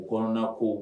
U kɔnɔna ko